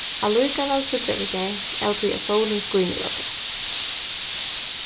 allíkavæl síggja vit tær av tí at sólin skínur á tær